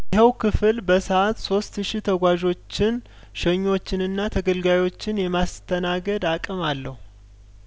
ይኸው ክፍል በሰአት ሶስት ሺ ተጓዦችን ሸኚዎችንና ተገልጋዮችን የማስተናገድ አቅም አለው